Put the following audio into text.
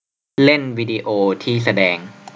เล่นวิดีโอที่แสดง